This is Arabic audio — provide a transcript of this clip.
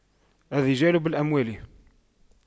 الرجال بالأموال